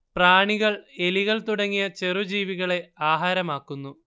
പ്രാണികൾ എലികൾ തുടങ്ങിയ ചെറു ജീവികളെ ആഹാരമാക്കുന്നു